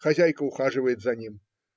Хозяйка ухаживает за ним.